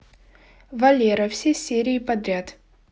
валера все серии подряд